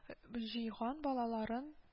Җыйган балларын